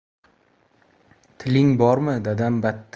tiling bormi dadam